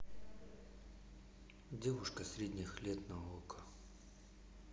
девушка средних лет на окко